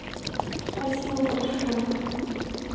спасибо большое